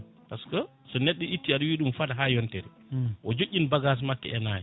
par ce que neɗɗo itti aɗa wiyama ɗum faad ha yonte o joƴƴini bagages makko e nangue